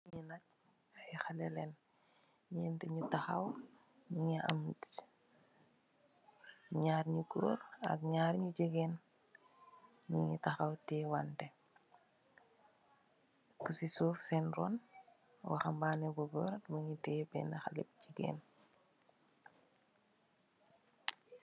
Ñii nak ay xalèh lèèn, ñénti ñu taxaw ñu ngi am tiis, ñaari ñu gór ak ñaar ñu jigeen ñu ngi taxaw teyeh wante. Ku si suuf sèèn ron waxu'mbani bu gór mugii teyeh benna xalèh bu jigeen.